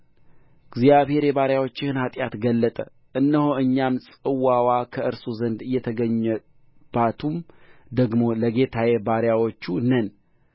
እግዚአብሔር የባሪያዎችህን ኃጢአት ገለጠ እነሆ እኛም ጽዋው ከእርሱ ዘንድ የተገኘበቱም ደግሞ ለጌታዬ ባሪያዎቹ ነን